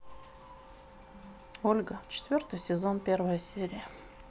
ольга четвертый сезон первая серия